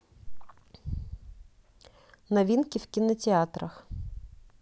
новинки в кинотеатрах